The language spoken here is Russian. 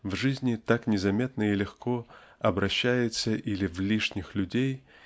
в жизни так незаметно и легко обращается или в "лишних людей"